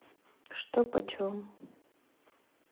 что по чем